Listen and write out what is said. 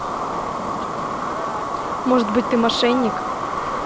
может быть ты мошенник